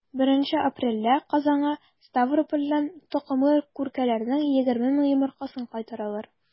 1 апрельдә казанга ставропольдән токымлы күркәләрнең 20 мең йомыркасын кайтаралар.